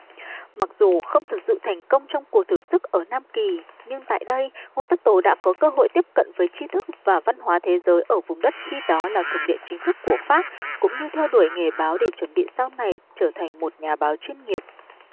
mặc dù không thật sự thành công trong cuộc thử sức ở nam kì nhưng tại đây ngô tất tố đã có cơ hội tiếp cận với tri thức và văn hóa thế giới ở vùng đất khi đó là thuộc địa chính thức của pháp cũng như theo đuổi nghề báo để chuẩn bị sau này trở thành một nhà báo chuyên nghiệp